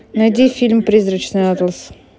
найди фильм призрачный атлас